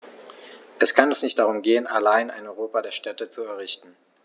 Es kann uns nicht darum gehen, allein ein Europa der Städte zu errichten.